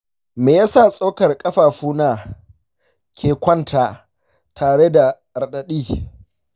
me yasa tsokar ƙafafuwana ke ƙwanta tare da raɗaɗi?